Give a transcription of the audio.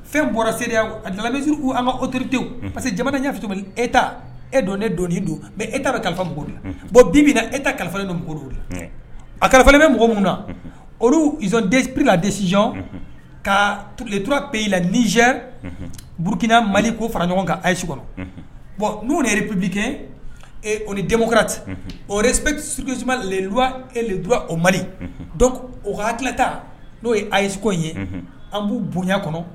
Fɛn bɔra seereya a dalalabeuru an ka otote parce que jamana ɲafɛ tuguni e ta e dɔn ne doni don e ta bɛ kalifao la bɔn bi min na e ta kalifa don la a kalifa bɛ mɔgɔ min na oluzp desizy kaleura peyi la niz burukina mali ko fara ɲɔgɔn kan ayise kɔnɔ bɔn n'u yɛrɛpbi kɛ o ni denmusokurati op suru letura o mali dɔ otita n'o ye ayi yeseko in ye an b'u bonya kɔnɔ